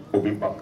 O bi ban